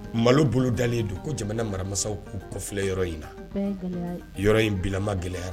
Malo bolo dalenlen don ko jamana maramasaw'u kɔfi yɔrɔ in na yɔrɔ in bilama gɛlɛyara